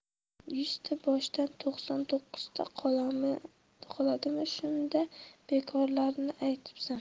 yuzta boshdan to'qson to'qqizta qoladimi shunda bekorlarni aytibsan